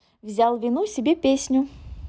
взял вину себе песню